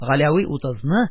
Галәви утызны,